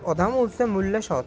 odam o'lsa mulla shod